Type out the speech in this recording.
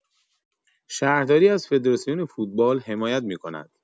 شهرداری از فدراسیون فوتبال حمایت می‌کند.